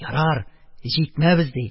Ярар, җикмәбез, - ди.